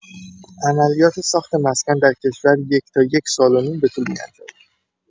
عملیات ساخت مسکن در کشور یک تا یک سال و نیم به طول می‌انجامد.